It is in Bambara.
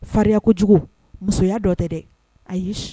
Fa kojugu musoya dɔ tɛ dɛ ayi ye